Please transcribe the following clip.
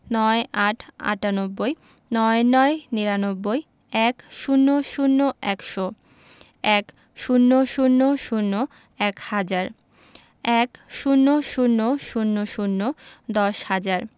৯৮ - আটানব্বই ৯৯ - নিরানব্বই ১০০ – একশো ১০০০ – এক হাজার ১০০০০ দশ হাজার